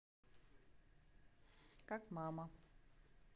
как мама